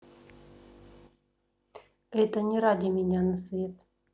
это не ради меня на свет